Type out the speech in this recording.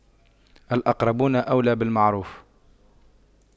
الأقربون أولى بالمعروف